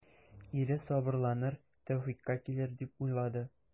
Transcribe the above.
Ире сабырланыр, тәүфыйкка килер дип уйлады.